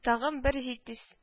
Тагын берҗиттис